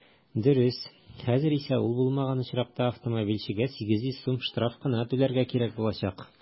Дөрес, хәзер исә ул булмаган очракта автомобильчегә 800 сум штраф кына түләргә кирәк булачак.